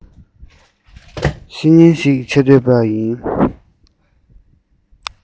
བཤེས གཉེན ཞིག བྱེད འདོད པ ཡིན